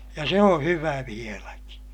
ja se on hyvä vieläkin